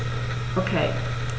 Okay.